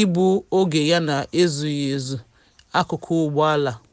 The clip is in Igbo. igbu oge yana ezughị ezu akụkụ ụgbọ ala.